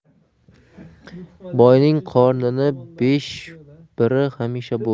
boyning qorni besh biri hamisha bo'sh